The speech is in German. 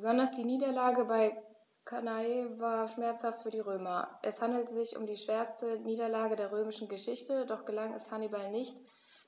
Besonders die Niederlage bei Cannae war schmerzhaft für die Römer: Es handelte sich um die schwerste Niederlage in der römischen Geschichte, doch gelang es Hannibal nicht,